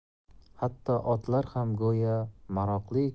hatto otlar ham go'yo maroqli